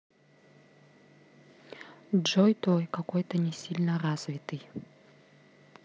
джой твой какой то несильно развитый